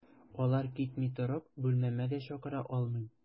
Алар китми торып, бүлмәмә дә чакыра алмыйм.